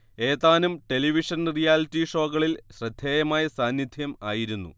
ഏതാനും television reality ഷോകളിൽ ശ്രദ്ധേയമായ സാന്നിദ്ധ്യം ആയിരുന്നു